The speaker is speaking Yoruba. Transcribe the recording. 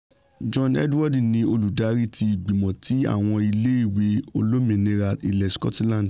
John Edward ni Olùdarí ti Ìgbìmọ̀ ti Àwọn Ilé ìwé Olómìnira Ilẹ Sikotilandi